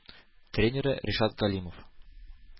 Тренеры – ришат галимов).